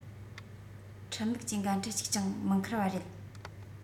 ཁྲིམས ལུགས ཀྱི འགན འཁྲི གཅིག ཀྱང མི འཁུར བ རེད